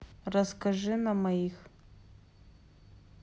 расскажи на моих